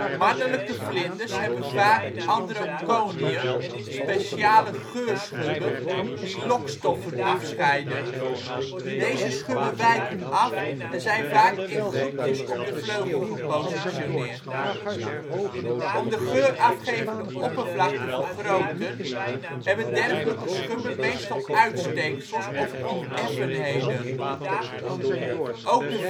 Mannelijke vlinders hebben vaak androconiën, speciale ' geurschubben ' die lokstoffen afscheiden. Deze schubben wijken af en zijn vaak in groepjes op de vleugel gepositioneerd. Om het geur-afgevende oppervlak te vergroten hebben dergelijke schubben meestal uitsteeksels of oneffenheden. Ook de vrouwtjes